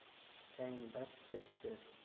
tayinlab ketdi